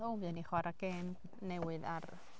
O fuon ni'n chwarae gêm newydd ar...